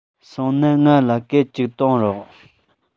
སོང ན ང ལ སྐད ཅིག གཏོང རོགས